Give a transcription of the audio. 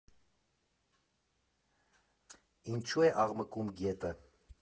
Ինչո՞ւ է աղմկում գետը։